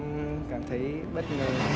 cảm thấy bất